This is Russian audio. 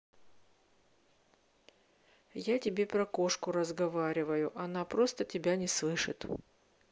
я тебе про кошку разговариваю она просто тебя не слышит